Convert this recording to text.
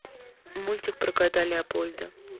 мультик про кота леопольда